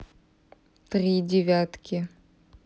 три девятки